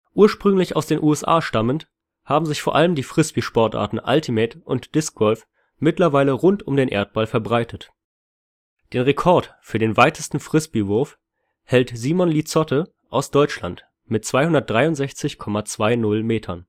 Ursprünglich aus den USA stammend, haben sich vor allem die Frisbee-Sportarten Ultimate und Discgolf mittlerweile rund um den Erdball verbreitet. Unterseite Oberseite Den Rekord für den weitesten Frisbeewurf hält Simon Lizotte aus Deutschland mit 263,20 m